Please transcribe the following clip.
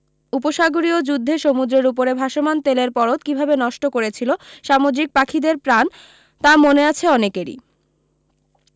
উপসাগরীয় যুদ্ধে সমুদ্রের উপরে ভাসমান তেলের পরত কী ভাবে নষ্ট করেছিল সামুদ্রিক পাখিদের প্রাণ তা মনে আছে অনেকেরি